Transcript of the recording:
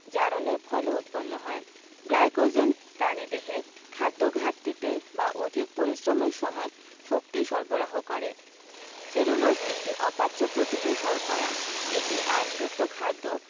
জারণের ফলে উৎপন্ন হয় গ্লাইকোজেন প্রাণীদেহে খাদ্যঘাটতিতে বা অধিক পরিশ্রমের সময় শক্তি সরবরাহ করে সেলুলোজ একটি অপাচ্য প্রকৃতির শর্করা এটি আঁশযুক্ত খাদ্য